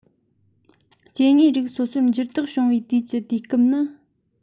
སྐྱེ དངོས རིགས སོ སོར འགྱུར ལྡོག བྱུང བའི དུས ཀྱི དུས སྐབས ནི